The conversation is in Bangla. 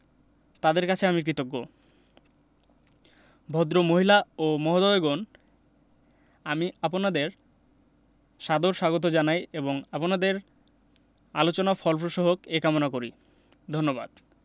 তাঁদের কাছে আমি কৃতজ্ঞ ভদ্রমহিলা ও মহোদয়গণ আমি আপনাদের সাদর স্বাগত জানাই এবং আপনাদের আলোচনা ফলপ্রসূ হোক এ কামনা করি ধন্যবাদ